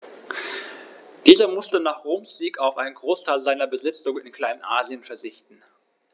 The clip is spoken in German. Dieser musste nach Roms Sieg auf einen Großteil seiner Besitzungen in Kleinasien verzichten.